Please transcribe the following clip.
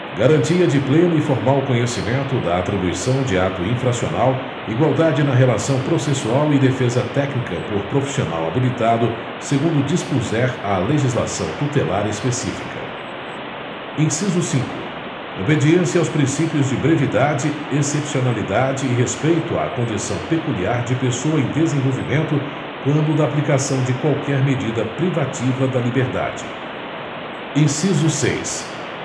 garantia de pleno e formal conhecimento da atribuição de ato infracional igualdade na relação processual e defesa técnica por profissional habilitado segundo dispuser a legislação tutelar específica inciso cinco obediência aos princípios de brevidade excepcionalidade e respeito à condição peculiar de pessoa em desenvolvimento quando da aplicação de qualquer medida privativa da liberdade inciso seis